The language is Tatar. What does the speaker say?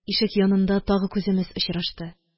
Ишек янында тагы күземез очрашты